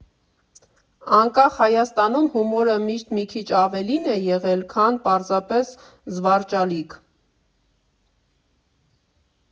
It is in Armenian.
Անկախ Հայաստանում հումորը միշտ մի քիչ ավելին է եղել, քան պարզապես զվարճալիք։